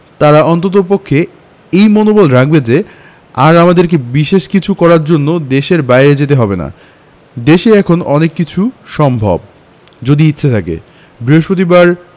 তারা অন্ততপক্ষে এই মনোবল রাখবে যে আর আমাদেরকে বিশেষ কিছু করার জন্য দেশের বাইরে যেতে হবে না দেশেই এখন অনেক কিছু সম্ভব যদি ইচ্ছা থাকে বৃহস্পতিবার